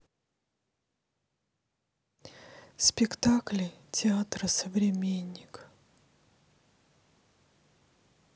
спектакли театра современник